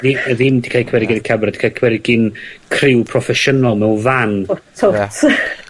...ddi- ddim 'di ca'l 'u cymeryd gen y camera, 'di ca'l 'u cymeryd gin criw proffesiynol o fan. Twt... Ie. ...